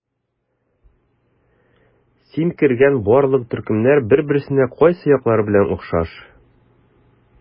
Син кергән барлык төркемнәр бер-берсенә кайсы яклары белән охшаш?